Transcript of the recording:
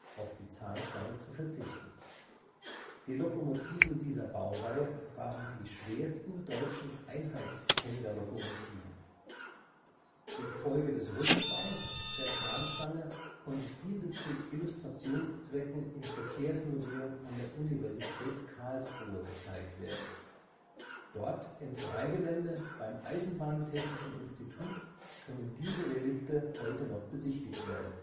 auf die Zahnstange zu verzichten. Die Lokomotiven dieser Baureihe waren die schwersten deutschen Einheits-Tenderlokomotiven. Infolge des Rückbaus der Zahnstange konnte diese zu Illustrationszwecken im Verkehrsmuseum an der Universität Karlsruhe gezeigt werden, dort im Freigelände beim eisenbahntechnischen Institut können diese Relikte heute noch besichtigt werden